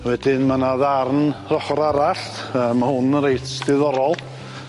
Wedyn ma' 'na ddarn yr ochor arall yym ma' hwn yn reit diddorol.